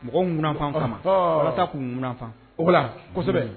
Mɔgɔw ŋfan kɔnɔ ma sabata k'u ŋfan o la kosɛbɛ